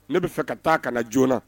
Ne bɛ fɛ ka taa ka na joona na